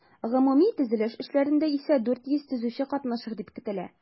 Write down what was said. Гомуми төзелеш эшләрендә исә 400 төзүче катнашыр дип көтелә.